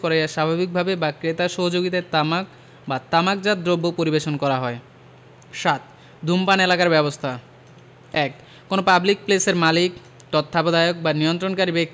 করাইয়া স্বাভাবিকভাবে বা ক্রেতার সহযোগিতায় তামাক বা তামাকজাত দ্রব্য পরিবেশন করা হয় ৭ ধূমপান এলাকার ব্যবস্থাঃ ১ কোন পাবলিক প্লেসের মালিক তত্ত্বাবধায়ক বা নিয়ন্ত্রণকারী ব্যক্তি